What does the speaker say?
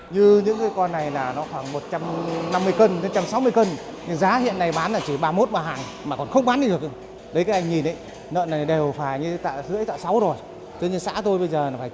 như những cái con này nà nó khoảng một trăm năm mươi cân đến trăm sáu mươi cân giá hiện nay bán chỉ ba mốt ba hai thôi mà con không bán đi được cơ đấy các anh nhìn đấy nợn này đều phải tạ rưỡi tạ sáu rồi như xã tôi bây giờ la